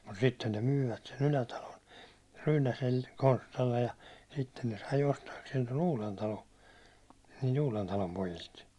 mutta sitten ne myivät sen Ylätalon - Konstalle ja sitten ne sai ostaakseen tuon Uudentalon niiltä Uudentalon pojilta